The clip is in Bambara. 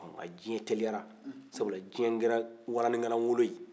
diɲɛ teliyara sabula diɲɛ kɛra waraninkalangolo ye